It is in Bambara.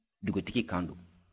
dugutigi kan don